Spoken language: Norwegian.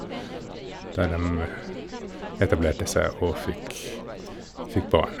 Der dem etablerte seg og fikk fikk barn.